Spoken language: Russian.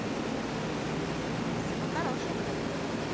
всего хорошего